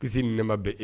Kisi ni nɛɛma bɛ e